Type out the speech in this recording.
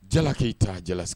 Jala'i t jala sigi